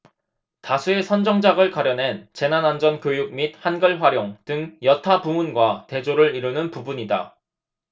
다수의 선정작을 가려낸 재난안전교육 및 한글 활용 등 여타 부문과 대조를 이루는 부분이다